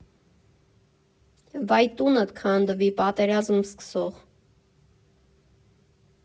Վայ, տունդ քանդվի, պատերազմ սկսող։